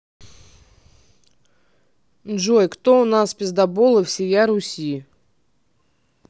джой кто у нас пиздабола всея руси